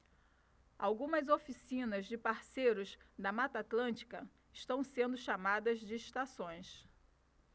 algumas oficinas de parceiros da mata atlântica estão sendo chamadas de estações